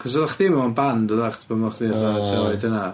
Cos oddach chdi mewn band oddach pan oddach chdi fatha tua oed hynna.